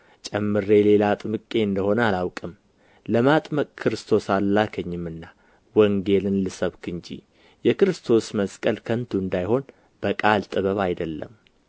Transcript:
ጨምሬ ሌላ አጥምቄ እንደ ሆነ አላውቅም ለማጥመቅ ክርስቶስ አልላከኝምና ወንጌልን ልሰብክ እንጂ የክርስቶስ መስቀል ከንቱ እንዳይሆን በቃል ጥበብ አይደለም